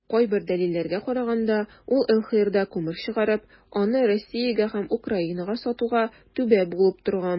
Кайбер дәлилләргә караганда, ул ЛХРда күмер чыгарып, аны Россиягә һәм Украинага сатуга "түбә" булып торган.